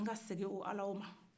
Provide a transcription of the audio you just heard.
an ka segin o ala ma